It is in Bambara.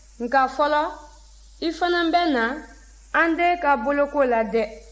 nka fɔlɔ i fana bɛ na an den ka boloko la dɛ